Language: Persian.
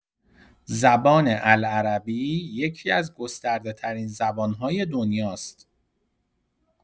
زبان العربی یکی‌از گسترده‌‌ترین زبان‌های دنیا است.